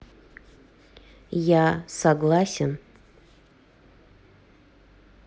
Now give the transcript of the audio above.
я согласен